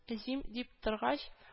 Өзим ди торгач